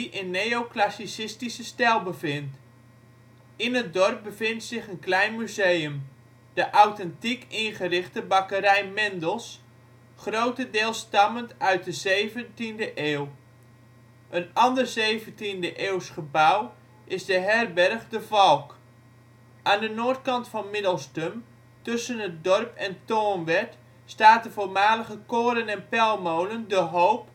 in neoclassicistische stijl bevindt. In het dorp bevindt zich een klein museum, de authentiek ingerichte Bakkerij Mendels, grotendeels stammend uit de 17e eeuw. Een ander 17e eeuws gebouw is de Herberg De Valk. Aan de noordkant van Middelstum, tussen het dorp en Toornwerd staat de voormalige koren - en pelmolen De Hoop uit 1855